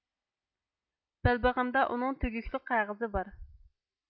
بەلبېغىمدا ئۇنىڭ تۈگۈكلۈك قەغىزى بار